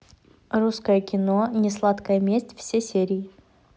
русское кино несладкая месть все серии